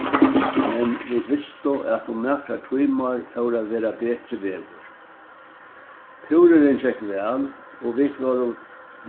men vit vistu at um nakrar tímar fór at verða betri veður túrurin gekk væl og vit vórðu